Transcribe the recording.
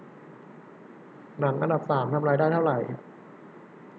หนังอันดับสามทำรายได้เท่าไหร่